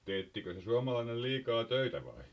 teettikö se suomalainen liikaa töitä vai